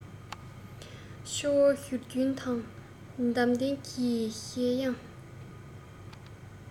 ཆུ བོའི བཞུར རྒྱུན དང འདབ ལྡན གྱི བཞད དབྱངས